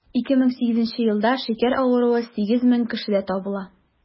2008 елда шикәр авыруы 8 мең кешедә табыла.